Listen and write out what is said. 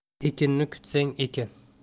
ekinni kutsang ekin